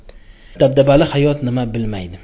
dabdabali hayot nima bilmaydi